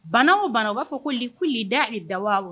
Bana o bana u b'a fɔ kuli kuli daa idawahu